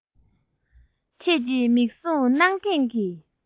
ཁྱོད ཀྱི མིག ཟུང གནའ དེང གི